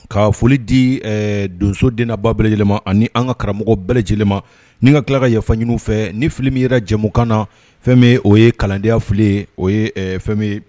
Ka foli di ɛɛ donso den n'a ba bɛɛ lajɛlen ma ani an ka karamɔgɔ bɛɛ lajɛlen ni ka tila ka yafa ɲini u fɛ ni fili min yɛrɛ jɛmukan na fɛn min o ye kalandenya fili ye o ɛ fɛn